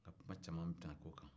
n ka kuma cama bɛ tɛmɛ o kan